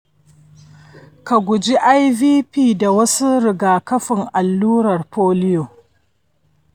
ka guji ivp da wasu rigakafin allurar foliyo.